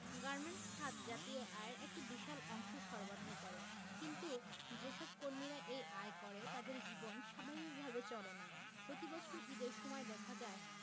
garments খাত জাতীয় আয়ের একটি বিশাল অংশ সরবারহ করে কিন্তু যেসব কর্মীরা এই আয় করে তাদের জীবন স্বাভাবিক ভাবে চলে না প্রতিবছর ঈদের সময় দেখা যায়